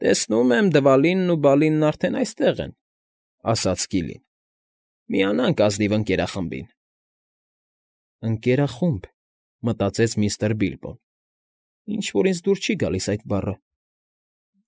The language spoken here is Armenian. Տեսնում եմ, Դվալինն ու Բալինն արդեն այստեղ են, ֊ ասաց Կիլին։ ֊ Միանանք ազնիվ ընկերախմբին։ «Ընկերախո՜ւմ, ֊ մտածեց միստր Բիլբոն։ ֊ Ինչ֊որ ինձ դուր չի գալիս այդ բառը։